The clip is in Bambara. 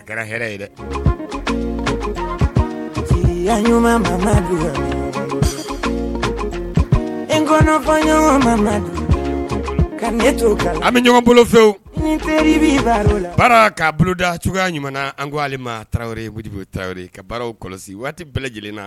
A kɛra hɛrɛ ye dɛ ɲuman n kɔnɔ ka an bɛ ɲɔgɔn bolo fɛwu teri la baara k'a boloda cogoya ɲuman an ko a ma taraweleoɔri tarawele ka baaraw kɔlɔsi waati bɛɛ lajɛlen na